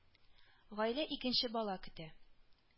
Гаилә икенче бала көтә